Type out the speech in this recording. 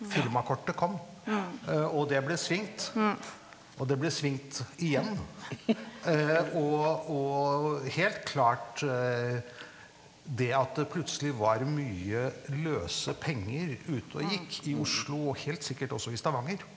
firmakortet kom og det ble svingt, og det ble svingt igjen og og helt klart det at det plutselig var mye løse penger ute og gikk i Oslo og helt sikkert også i Stavanger.